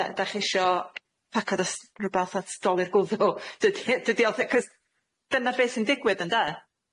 'Da 'dach chi isio pacad o s- rwbath at dolur gwddw dydi dydi o 'c'os dyna beth sy'n digwydd ynde?